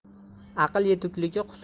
aql yetukligi husn